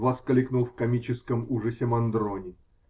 -- воскликнул в комическом ужасе Мандрони.